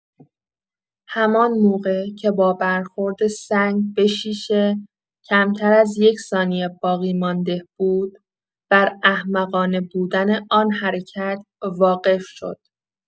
همان موقع که با برخورد سنگ به شیشه، کمتر از یک ثانیه باقی‌مانده بود، بر احمقانه‌بودن آن حرکت واقف شد.